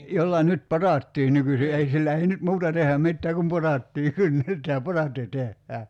jolla nyt potaattia nykyisin ei sillä ei nyt muuta tehdä mitään kuin potaattia kynnetään potaatti tehdään